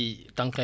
di roose